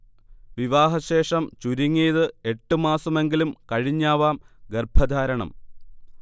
വിവാഹശേഷം ചുരുങ്ങിയത് എട്ട് മാസമെങ്കിലും കഴിഞ്ഞാവാം ഗർഭധാരണം